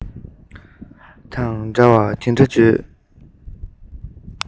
འདྲ བར འདི འདྲ བརྗོད